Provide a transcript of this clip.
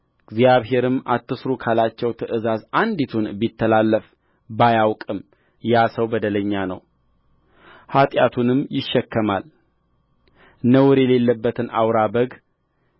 እግዚአብሔርም አትሥሩ ካላቸው ትእዛዛት አንዲቱን ቢተላለፍ ባያውቅም ያ ሰው በደለኛ ነው ኃጢአቱንም ይሸከማልነውር የሌለበትን አውራ በግ